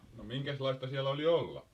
no minkäslaista siellä oli olla